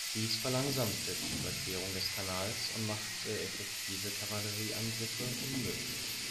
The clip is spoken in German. Dies verlangsamte die Überquerung des Kanals und machte effektive Kavallerieangriffe unmöglich